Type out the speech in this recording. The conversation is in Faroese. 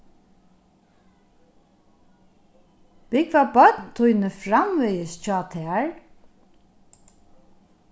búgva børn tíni framvegis hjá tær